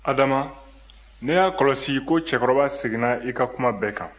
adama ne y'a kɔlɔsi ko cɛkɔrɔba seginna i ka kuma bɛɛ kan